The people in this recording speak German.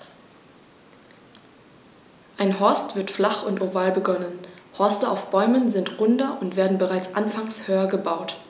Ein Horst wird flach und oval begonnen, Horste auf Bäumen sind runder und werden bereits anfangs höher gebaut.